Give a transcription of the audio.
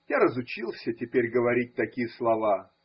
Я разучился теперь говорить такие слова.